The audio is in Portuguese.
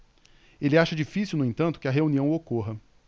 ele acha difícil no entanto que a reunião ocorra